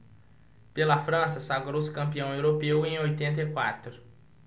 pela frança sagrou-se campeão europeu em oitenta e quatro